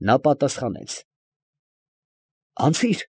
Նա պատասխանեց. ֊ Անցի՛ր։